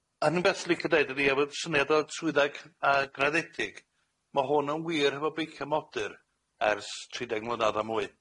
Unig beth licio deud ydi efo'r syniad o'r trwyddeg yy graddedig, ma' hwn yn wir hefo beicio modur ers tri deg mlynadd a mwy.